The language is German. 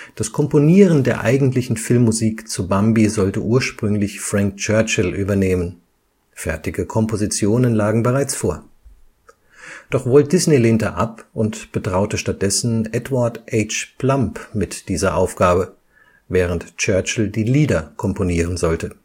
Das Komponieren der eigentlichen Filmmusik zu Bambi sollte ursprünglich Frank Churchill übernehmen, fertige Kompositionen lagen bereits vor. Doch Walt Disney lehnte ab und betraute stattdessen Edward H. Plumb mit dieser Aufgabe, während Churchill die Lieder komponieren sollte